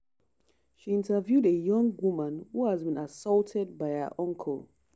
She interviewed a young woman who had been assaulted by her uncle.